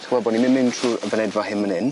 Ti'n gwbo bo' ni'n myn' miwn trw y fynedfa hyn myn 'yn.